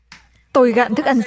tôi gạn thức ăn